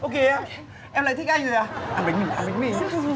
ô kìa em lại thích anh rồi à ăn bánh mỳ ăn bánh mỳ